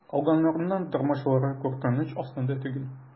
Калганнарның тормышлары куркыныч астында түгел.